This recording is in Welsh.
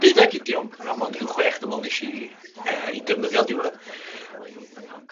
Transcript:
deuddeg idiom, a mond ryw chwech dw' me'wl wnes yy ei defnyddio'n diwedd.